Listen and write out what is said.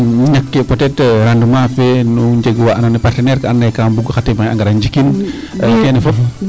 ñakkee peut etre rendement fe nu njeg waa andoona yee partenaire kaa andoona yee kaa mbug xa tim axe a ngar njikin keene fop ?